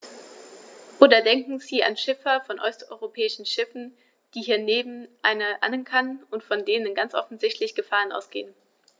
Oder denken Sie an Schiffer von osteuropäischen Schiffen, die hier neben anderen ankern und von denen ganz offensichtlich Gefahren ausgehen.